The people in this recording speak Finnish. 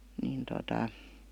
niin tuota